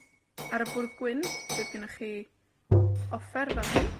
Ar y bwrdd gwyn, bydd gynnoch chi offer fel hyn.